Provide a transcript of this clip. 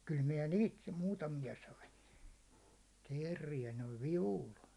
kyllä minä niitä muutamia sain teeriä noin vivulla